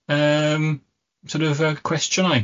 yym sort of yy cwestiynnau.